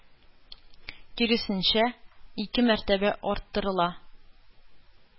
Киресенчә, ике мәртәбә арттырыла.